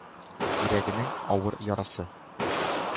Йөрәгенең авыр ярасы.